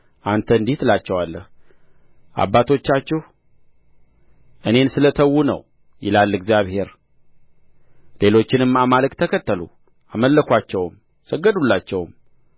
አንተ እንዲህ ትላቸዋለህ አባቶቻችሁ እኔን ስለ ተው ነው ይላል እግዚአብሔር ሌሎችንም አማልክት ተከተሉ አመለኩአቸውም ሰገዱላቸውም